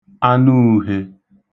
anuūhē